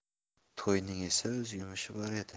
toyning esa o'z yumushi bor edi